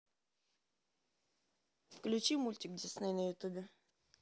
включи мультик дисней на ютубе